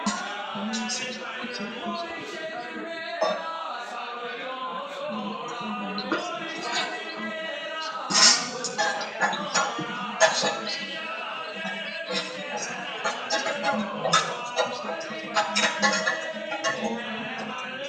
Meeshaan waxaa ka muuqdo masaajid midifkiisii yahay caddeyska albaabkiisu yahay gaduud waxaa hormariyo oday wato macalmuus iyo shati